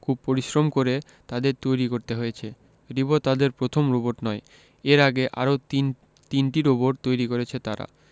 খুব পরিশ্রম করে তাদের তৈরি করতে হয়েছে রিবো তাদের প্রথম রোবট নয় এর আগে আরও তিনটি রোবট তৈরি করেছে তারা